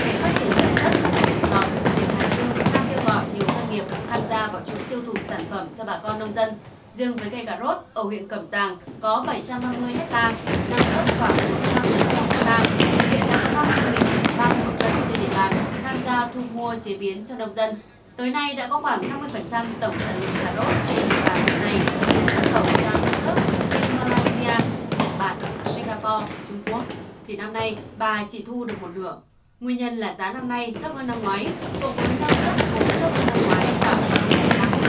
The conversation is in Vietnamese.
để phát triển sản xuất trong ngành trồng trọt tỉnh hải dương cũng đang kêu gọi nhiều doanh nghiệp tham gia vào chuỗi tiêu thụ sản phẩm cho bà con nông dân riêng với cây cà rốt ở huyện cẩm giàng có bảy trăm năm mươi héc ta năng suất khoảng bốn mươi lăm tấn một héc ta hiện đã có năm doanh nghiệp ba mươi hộ dân trên địa bàn tham gia thu mua chế biến cho nông dân tới nay đã có khoảng năm mươi phần trăm tổng sản lượng cà rốt trên địa bàn huyện này được xuất khẩu sang các nước như malaysia nhật bản singapore trung quốc thì năm nay bà chỉ thu được một nửa nguyên nhân là giá năm nay thấp hơn năm ngoái cộng với năng suất cũng thấp hơn năm ngoái khoảng ba mươi phần trăm